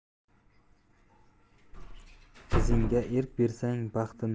qizingga erk bersang baxtini